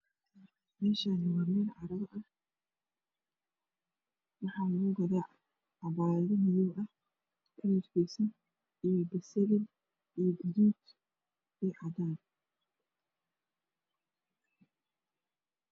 Meshani waa mel carwo ah waxa lakugada cabayado madow ah kalarkis io beseli io gadud io cadan